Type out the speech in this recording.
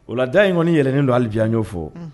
Oda in kɔniɔni yɛlɛnen don ali jan'o fɔ